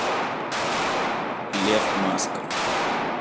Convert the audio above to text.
лев маска